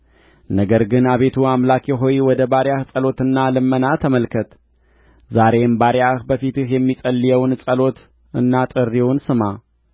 ነገር ግን አቤቱ አምላኬ ሆይ ወደ ባሪያህ ጸሎትና ልመና ተመልከት ዛሬም ባሪያህ በፊትህ የሚጸልየውን ጸሎትና ጥሪውን ስማ